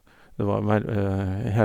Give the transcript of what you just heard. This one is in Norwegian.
Det var verv hel...